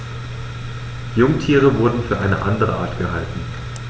Jungtiere wurden für eine andere Art gehalten.